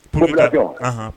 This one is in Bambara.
Purubi dɔn